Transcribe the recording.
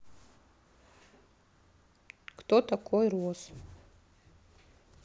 кто такой ross